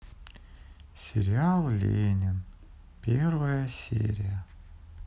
сериал ленин первая серия